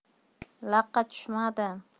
laqqa tushmadim